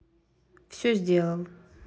все сделал